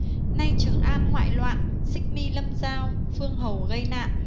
nay trường an hoại loạn xích my lâm giao vương hầu gây nạn